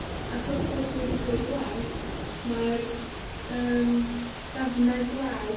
achos bod hi wedi bwrw glaw, mae'r yym, dafnai glaw